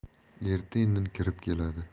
erta indin kirib keladi